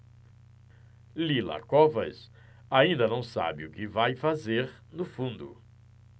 lila covas ainda não sabe o que vai fazer no fundo